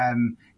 yym